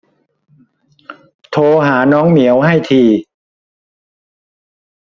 โทรหาน้องเหมียวให้ที